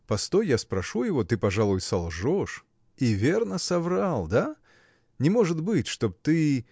– Постой, я спрошу его: ты, пожалуй, солжешь. И верно соврал! да? Не может быть, чтоб ты.